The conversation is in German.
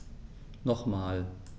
Nochmal.